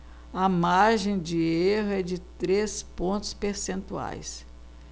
a margem de erro é de três pontos percentuais